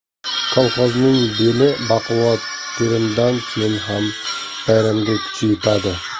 kolxozning beli baquvvat terimdan keyin ham bayramga kuchi yetadi